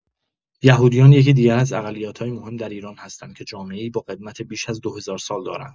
یهودیان یکی دیگر از اقلیت‌های مهم در ایران هستند که جامعه‌ای با قدمت بیش از دو هزار سال دارند.